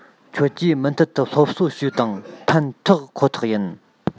ཁྱོད ཀྱིས མུ མཐུད དུ སློབ གསོ བྱོས དང ཕན ཐོགས ཁོ ཐག ཡིན